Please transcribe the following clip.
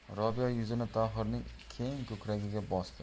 robiya yuzini tohirning keng ko'kragiga bosdi